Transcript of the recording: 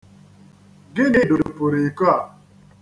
Gịnị dụpuru iko a.